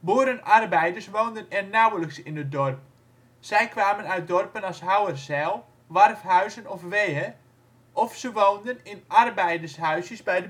Boerenarbeiders woonden er nauwelijks in het dorp. Zij kwamen uit dorpen als Houwerzijl, Warfhuizen of Wehe of ze woonden in arbeidershuisjes bij